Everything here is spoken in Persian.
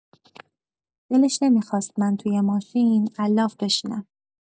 دلش نمی‌خواست من توی ماشین علاف بشینم.